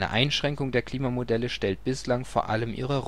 Einschränkung der Klimamodelle stellt bislang vor allem ihre räumliche